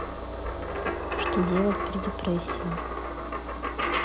что делать при депрессии